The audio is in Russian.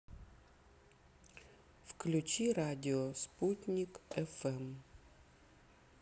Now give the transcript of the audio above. включи радио спутник фм